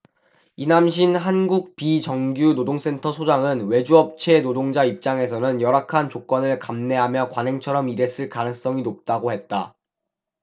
이남신 한국비정규노동센터 소장은 외주업체 노동자 입장에서는 열악한 조건을 감내하며 관행처럼 일했을 가능성이 높다고 했다